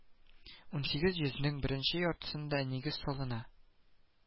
Ун сигез йөзнең беренче яртысында нигез салына